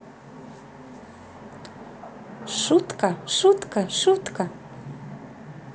шутка шутка шутка